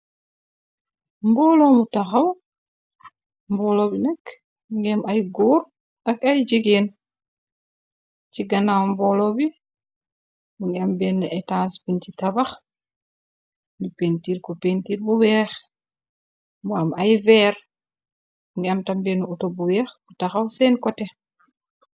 mbooloomu taxaw mboolo bi nekk ngéem ay góor ak ay jigéen ci ganaaw mboolo bi bu ngi am benn etans bin ci tabax li péntiir ko péntiir bu weex mu am ay veer ngi am tam benn auto bu weex bu taxaw seen kote